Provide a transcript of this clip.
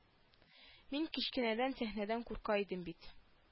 Мин кечкенәдән сәхнәдән курка идем бит